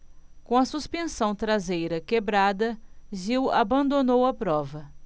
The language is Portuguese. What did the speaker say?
com a suspensão traseira quebrada gil abandonou a prova